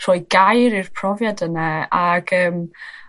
rhoi gair i'r profiad yna ag yym